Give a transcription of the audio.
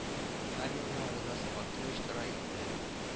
Һәр елны авылда сабантуй оештыра иделәр